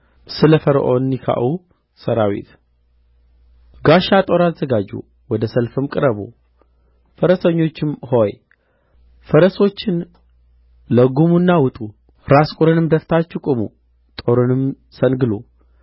ስለ ፈርዖን ኒካዑ ሠራዊት ጋሻ ጦር አዘጋጁ ወደ ሰልፍም ቅረቡ ፈረሰኞች ሆይ ፈረሶችን ለግሙና ውጡ ራስ ቍርንም ደፍታችሁ ቁሙ ጦርንም ሰንግሉ